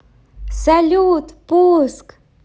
салют пуск